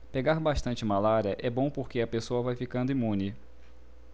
pegar bastante malária é bom porque a pessoa vai ficando imune